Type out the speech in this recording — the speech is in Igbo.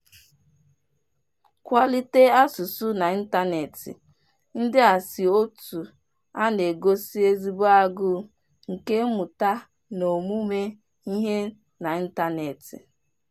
Nkwalite asụsụ n'ịntanetị ndị a si òtù a na-egosi ezigbo agụụ nke mmụta na omume ihe n'ịntanetị.